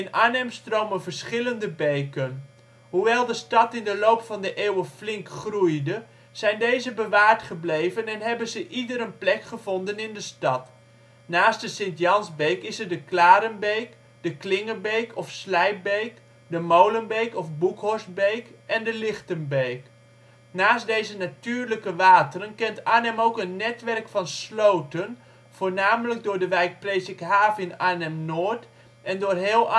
Arnhem stromen verschillende beken. Hoewel de stad in de loop van de eeuwen flink groeide zijn deze bewaard gebleven en hebben ze ieder een plek gevonden in de stad. Naast de St. Jansbeek, is er de Klarenbeek, de Klingelbeek of Slijpbeek, de Molenbeek of Boekhorstbeek en de Lichtenbeek. Naast deze natuurlijke wateren kent Arnhem ook een netwerk van sloten voornamelijk door de wijk Presikhaaf in Arnhem-Noord en door heel